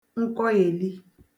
nkọghèli